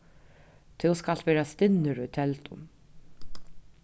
tú skalt vera stinnur í teldum